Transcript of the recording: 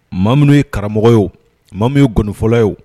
Ma minnu ye karamɔgɔ ye ma ye gfɔ yeo